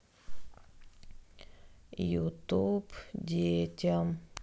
ютуб детям